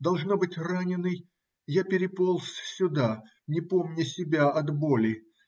Должно быть, раненный, я переполз сюда, не помня . себя от боли.